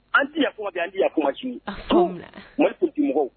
An tɛ yaf'u ma bi an tɛ yaf'u ma sini. Afaamu na. Tu! Mali politique mɔgɔw.